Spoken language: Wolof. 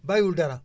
bàyyiwul dara